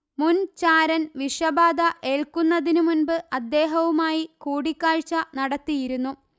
മുൻചാരൻവിഷബാധ ഏല്ക്കുന്നതിൻമുന്പ് അദ്ദേഹവുമായി കൂടിക്കാഴ്ച നടത്തിയിരുന്നു